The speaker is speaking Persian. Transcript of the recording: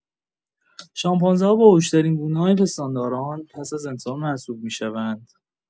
شامپانزه‌ها باهوش‌ترین گونه‌های پستانداران پس از انسان محسوب می‌شوند.